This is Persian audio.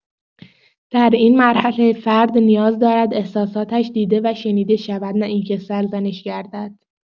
در این مرحله فرد نیاز دارد احساساتش دیده و شنیده شود نه اینکه سرزنش گردد.